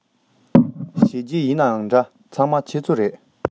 བྱས རྗེས ཡིན ནའང འདྲ ཚང མ ཁྱེད ཚོའི རེད